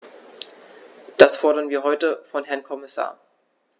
Das fordern wir heute vom Herrn Kommissar.